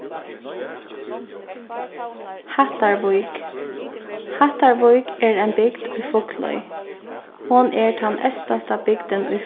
hattarvík hattarvík er ein bygd í fugloy hon er tann eystasta bygdin í